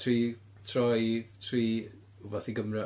tri tro i... tri wbath i Gymro.